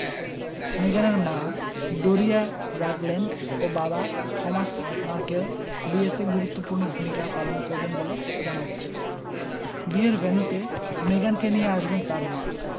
মেগানের মা Doria Ragland ও বাবা থমাস মার্কেল বিয়েতে গুরুত্বপূর্ণ ভূমিকা পালন করবেন বলে জানা গেছে বিয়ের ভেন্যুতে মেগানকে নিয়ে আসবেন তাঁর মা